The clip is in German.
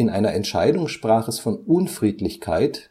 einer Entscheidung sprach es von Unfriedlichkeit